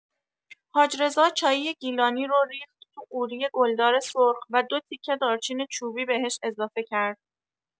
حاج رضا چایی گیلانی رو ریخت تو قوری گلدار سرخ و دوتیکه دارچین چوبی بهش اضافه کرد.